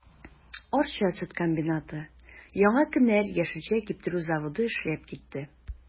Арча сөт комбинаты, Яңа кенәр яшелчә киптерү заводы эшләп китте.